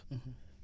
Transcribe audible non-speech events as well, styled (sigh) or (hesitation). (hesitation) (hesitation)